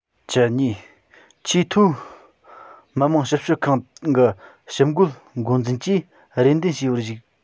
བཅུ གཉིས ཆེས མཐོའི མི དམངས ཞིབ དཔྱོད ཁང གི ཞིབ དཔྱོད འགོ འཛིན གྱིས རེ འདུན ཞུས པར གཞིགས